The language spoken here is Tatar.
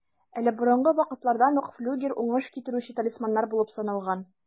Әле борынгы вакытлардан ук флюгер уңыш китерүче талисманнар булып саналган.